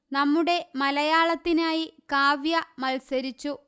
നമ്മുടെ മലയാളത്തിനായി കാവ്യ മത്സരിച്ചു